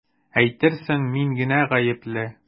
Әйтерсең мин генә гаепле!